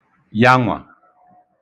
yanwà